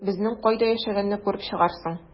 Безнең кайда яшәгәнне күреп чыгарсың...